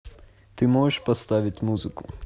ты можешь поставить музыку